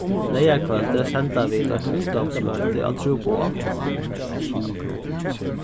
leygarkvøldið senda vit eitt ungdómsmøti á trúboðanum